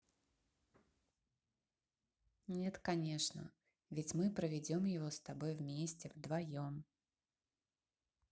нет конечно ведь мы проведем его с тобой вместе вдвоем